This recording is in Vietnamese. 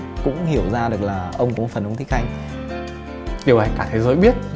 cũng hiểu ra được là có phần ông thích khanh điều này cả thế giới biết